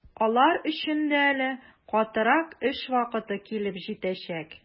Алар өчен дә әле катырак эш вакыты килеп җитәчәк.